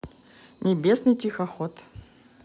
небесный тихоход